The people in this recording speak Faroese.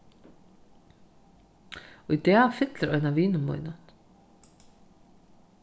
í dag fyllir ein av vinum mínum